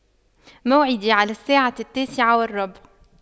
موعدي على الساعة التاسعة والربع